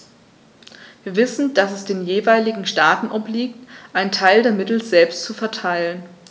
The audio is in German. Wir wissen, dass es den jeweiligen Staaten obliegt, einen Teil der Mittel selbst zu verteilen.